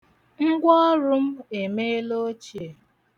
Ngwa ọrụ m emeela ochie.